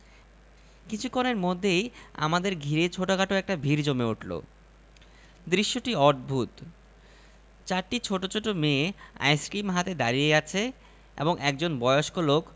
সাদা চুল সাদা দাড়ি রবিঠাকুর যে এতে সন্দেহের কিছুই নেই আমরা তালের পাখা কিনলাম মার্টির কলস কিনলাম সোলার কুমীর কিনলীম